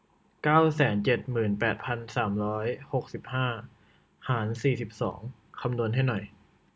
เก้าแสนเจ็ดหมื่นแปดพันสามร้อยหกสิบห้าหารสี่สิบสองคำนวณให้หน่อย